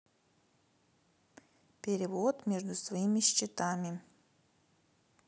перевод между своими счетами